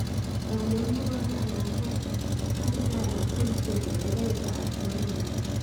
กังวลเพราะว่าในอนาคต ค่าใช้จ่ายอาจเพิ่มขึ้น รายได้ใช้อาจบ่แน่นอน